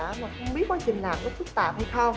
không biết quá trình làm có phức tạp hay không